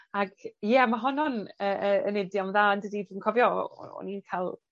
Ag ie ma' honno'n yy yy yn idiom dda on'd ydi? Dwi'n cofio o- o- o'n i'n ca'l